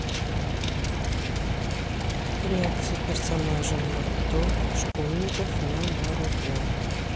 реакция персонажа наруто школьников на наруто